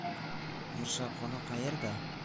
mirshabxona qayerda